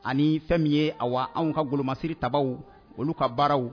Ani fɛn min ye a anw ka gololamasiri ta olu ka baaraw